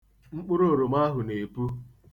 Mkpụrụ oroma ahụ na-epu.